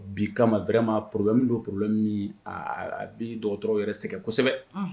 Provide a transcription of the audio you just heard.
Bi kama bɛ ma porolɛ min don p min a bɛ dɔgɔ dɔgɔtɔrɔ yɛrɛ sɛgɛn kosɛbɛ